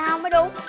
sao mới đúng